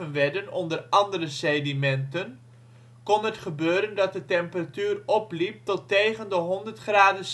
werden onder andere sedimenten, kon het gebeuren dat de temperatuur opliep tot tegen de 100 graden